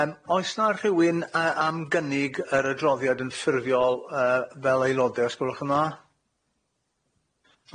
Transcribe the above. Yym oes 'na rhywun yy am gynnig yr adroddiad yn ffurfiol yy fel eulode os gwelwch yn dda?